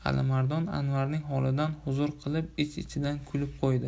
alimardon anvarning holidan huzur qilib ich ichidan kulib qo'ydi